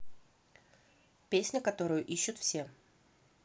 песня которую ищут все